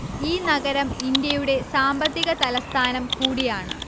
ഈ നഗരം ഇന്ത്യയുടെ സാമ്പത്തിക തലസ്ഥാനം കൂടിയാണ്